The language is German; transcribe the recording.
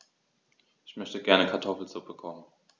Ich möchte gerne Kartoffelsuppe kochen.